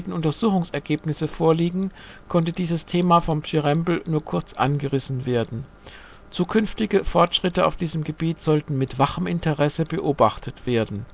Untersuchungsergebnisse vorliegen, konnte dieses Thema vom Pschyrembel nur kurz angerissen werden. Zukünftige Fortschritte auf diesem Gebiet sollten mit wachem Interesse beobachtet werden